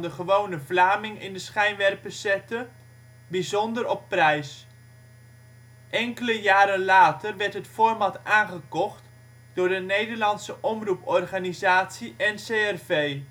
gewone Vlaming in de schijnwerpers zette, bijzonder op prijs. Enkele jaren later werd het format aangekocht door de Nederlandse omroeporganisatie NCRV. De